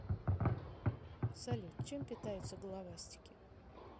салют чем питаются головастики